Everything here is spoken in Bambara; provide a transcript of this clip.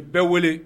U bɛɛ wele